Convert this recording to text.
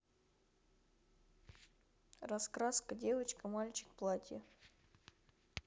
раскраска девочка мальчик платье